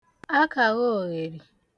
akàghoghèrì